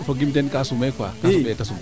fogiim teen kaa sumee quoi kaa soɓe te sum